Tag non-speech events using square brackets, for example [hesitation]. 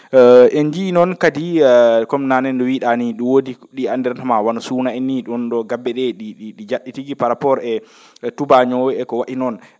[hesitation] en njiyii noon kadi [hesitation] comme naane no wii?aa ni ?i woodi ?i andiranramaa woni suuna en ni ?um ?o gabbe ?e ?i ?i ja??i tigi par rapport e tubaaño o e ko wayi noon